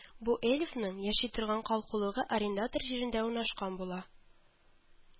Бу эльфның яши торган калкулыгы арендатор җирендә урнашкан була